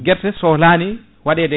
guerte sohlmani waɗede